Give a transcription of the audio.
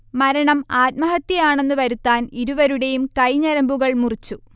മരണം ആത്മഹത്യയാണെന്ന് വരുത്താൻ ഇരുവരുടെയും കൈഞരമ്പുകൾ മുറിച്ചു